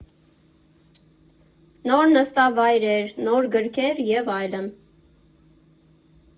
Նոր նստավայրեր, նոր գրքեր և այլն։